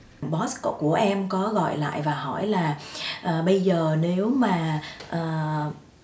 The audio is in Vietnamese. bót của em có gọi lại và hỏi là bây giờ nếu mà à